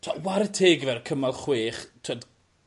t'o' 'war'e teg iddo fe ar cymal chwech t'wod